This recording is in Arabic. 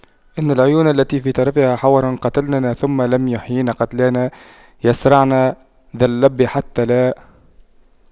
إن العيون التي في طرفها حور قتلننا ثم لم يحيين قتلانا يَصرَعْنَ ذا اللب حتى لا